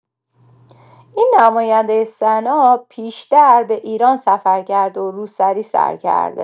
این نماینده سنا پیشتر به ایران سفر کرده و روسری سر کرده!